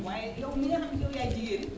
waaye yow mi nga xam ne yow yaay jigéen